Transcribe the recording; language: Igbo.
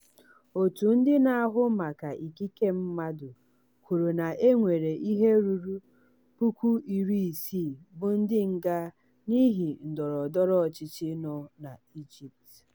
Òtù ndị na-ahụ maka ikike mmadụ kwuru na e nwere ihe ruru 60,000 bụ ndị nga n'ihi ndọrọ ndọrọ ọchịchị nọ na Egypt.